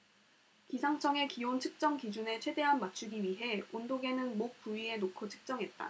기상청의 기온 측정 기준에 최대한 맞추기 위해 온도계는 목 부위에 놓고 측정했다